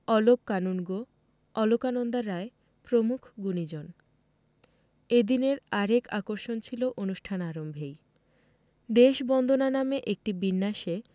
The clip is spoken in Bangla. অলোক কানুনগো অলকনন্দা রায় প্রমুখ গুণিজন এদিনের আর এক আকর্ষণ ছিল অনুষ্ঠান আরম্ভেই দেশ বন্দনা নামে একটি বিন্যাসে